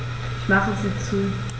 Ich mache sie zu.